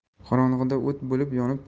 qorong'ida o't bo'lib yonib